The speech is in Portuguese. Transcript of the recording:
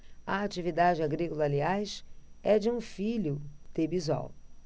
a atividade agrícola aliás é de um filho de bisol